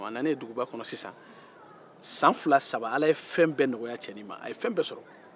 a nanen duguba kɔnɔ san fila ala ye fɛn bɛɛ nɔgɔya cɛnin ma a ye fɛn bɛɛ sɔrɔ